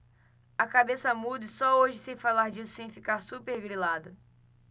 a cabeça muda e só hoje sei falar disso sem ficar supergrilada